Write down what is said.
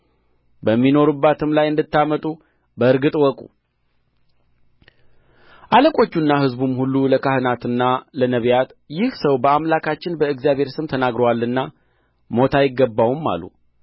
በሚኖሩባትም ላይ እንድታመጡ በእርግጥ እወቁ አለቆቹና ሕዝቡም ሁሉ ለካህናትና ለነቢያት ይህ ሰው በአምላካችን በእግዚአብሔር ስም ተናግሮናልና ሞት አይገባውም አሉ